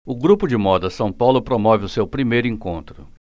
o grupo de moda são paulo promove o seu primeiro encontro